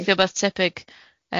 gweithio wbath tebyg.